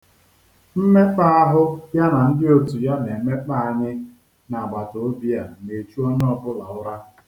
Mmekpa ahụ ya na ndị otu ya na-emekpa anyị n'agbatoobi a na-echu onye ọbụla ụra.